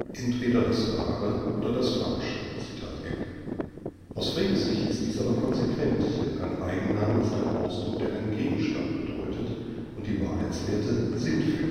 entweder das Wahre oder das Falsche “(ebd.). Aus Freges Sicht ist dies aber konsequent, denn ein Eigenname ist ein Ausdruck, der einen Gegenstand bedeutet, und die Wahrheitswerte sind für